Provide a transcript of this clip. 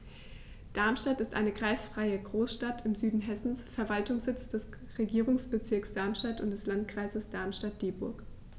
Darmstadt ist eine kreisfreie Großstadt im Süden Hessens, Verwaltungssitz des Regierungsbezirks Darmstadt und des Landkreises Darmstadt-Dieburg.